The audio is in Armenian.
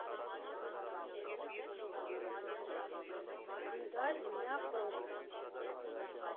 ֊ Անդար մնա կովը։